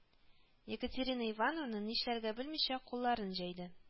Екатерина Ивановна, нишләргә белмичә, кулларын җәйде: